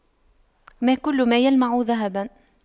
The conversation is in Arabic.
ما كل ما يلمع ذهباً